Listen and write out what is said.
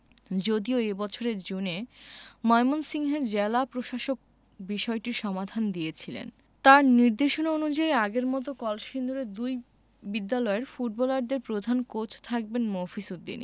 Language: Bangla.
যদিও এ বছরের জুনে ময়মনসিংহের জেলা প্রশাসক বিষয়টির সমাধান করে দিয়েছিলেন তাঁর নির্দেশনা অনুযায়ী আগের মতো কলসিন্দুরের দুই বিদ্যালয়ের ফুটবলারদের প্রধান কোচ থাকবেন মফিজ উদ্দিনই